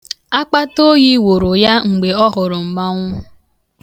Akpataoyi wụrụ ya mgbe ọ hụrụ mmanwụ.